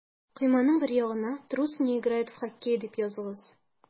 Койманың бер ягына «Трус не играет в хоккей» дип языгыз.